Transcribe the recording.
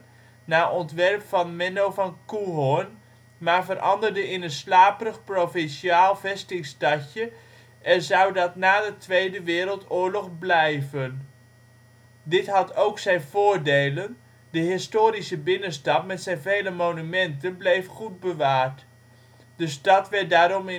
naar ontwerp van Menno van Coehoorn, maar veranderde in een slaperig provinciaal vestingstadje en zou dat tot na de Tweede Wereldoorlog blijven. Dit had ook zijn voordelen, de historische binnenstad met zijn vele monumenten bleef goed bewaard. De stad werd daarom